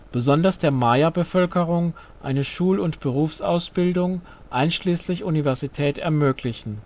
besonders der Maya-Bevölkerung, eine Schul - und Berufsausbildung – einschließlich Universität – ermöglichen